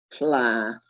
Pla.